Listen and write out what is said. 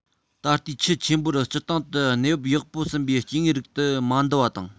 ད ལྟའི ཁྱུ ཆེན པོ རུ སྤྱི བཏང དུ གནས བབ ཡག པོ ཟིན པའི སྐྱེ དངོས རིགས དུ མ འདུ བ དང